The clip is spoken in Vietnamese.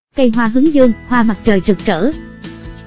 cây hoa hướng dương hoa mặt trời rực rỡ